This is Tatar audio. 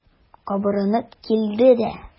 Кабарынып килде дә.